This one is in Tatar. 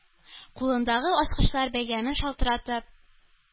Кулындагы ачкычлар бәйләмен шалтыратып,